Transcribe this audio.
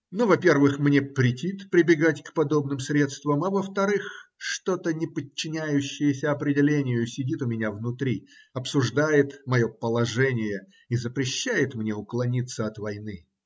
Но, во-первых, мне претит прибегать к подобным средствам, а во-вторых, что-то, не подчиняющееся определению, сидит у меня внутри, обсуждает мое положение и запрещает мне уклониться от войны.